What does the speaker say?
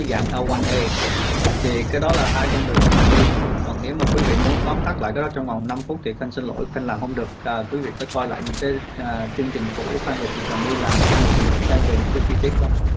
dạng ai oăn ây thì cái đó là hai con đường để mà đi còn nếu mà quý vị muốn tóm tắt lại cái đó trong vòng năm phút thì khanh xin lỗi khanh làm không được quý vị phải coi lại những cái chương trình cũ khanh và chị trà my làm để mà tìm hiểu thêm về những cái chi tiết tốt